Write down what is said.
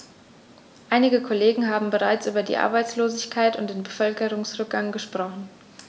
Einige Kollegen haben bereits über die Arbeitslosigkeit und den Bevölkerungsrückgang gesprochen.